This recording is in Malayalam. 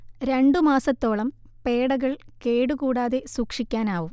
രണ്ടു മാസത്തോളം പേഡകൾ കേടു കൂടാതെ സൂക്ഷിക്കാനാവും